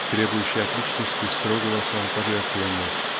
требующий от личности строгого самопожертвования